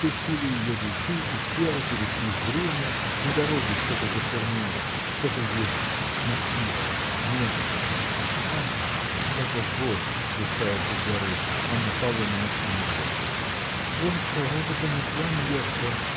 все силы ее души и тела перешли в зрение: на дороге что-то зачернело. Кто-то едет, но тихо, медленно. Ах! это воз спускается с горы. Анна Павловна нахмурилась. – Вот кого-то понесла нелегкая!